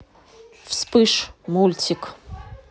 вспыш мультик